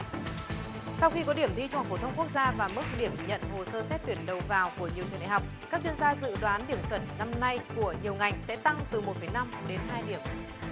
sau khi có điểm thi trung học phổ thông quốc gia và mức điểm nhận hồ sơ xét tuyển đầu vào của nhiều trường đại học các chuyên gia dự đoán điểm chuẩn năm nay của nhiều ngành sẽ tăng từ một phẩy năm đến hai điểm